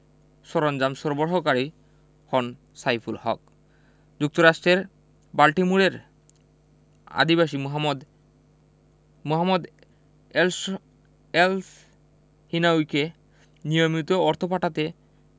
সরঞ্জাম সরবরাহকারী হন সাইফুল হক যুক্তরাষ্ট্রের বাল্টিমোরের আধিবাসী মোহাম্মদ মোহাম্মদ এলস এলসহিনাউয়িকে নিয়মিত অর্থ পাঠাতে